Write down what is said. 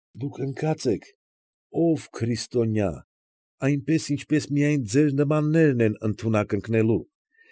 Դուք ընկած եք, ով քրիստոնյա, այնպես, ինչպես միայն ձեր նմաններն են ընդունակ ընկնելու։